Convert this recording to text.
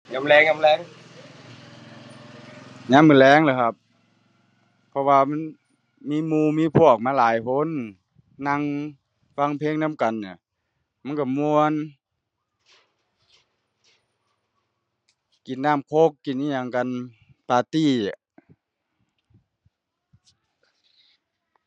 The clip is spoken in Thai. ยามแลงยามแลง ยามมื้อแลงล่ะครับ เพราะว่ามันมีหมู่มีพวกมาหลายคน นั่งฟังเพลงนำกันเนี่ยมันก็ม่วน กินน้ำโค้กกินอิหยังกัน ปาร์ตี